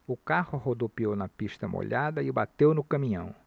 o carro rodopiou na pista molhada e bateu no caminhão